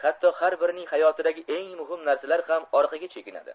hatto har birining hayotidagi eng muhim narsalar ham orqaga chekinadi